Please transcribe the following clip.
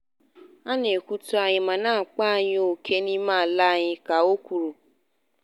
"A na-ekwutọ anyị ma na-akpa anyị ókè n'ime ala anyị," ka o kwuru.